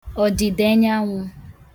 ọ̀dị̀dàẹnyanwụ̄